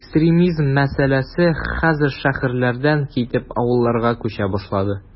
Экстремизм мәсьәләсе хәзер шәһәрләрдән китеп, авылларга “күчә” башлады.